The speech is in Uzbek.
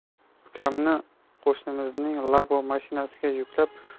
ukamni qo'shnimizning 'labo' mashinasiga yuklab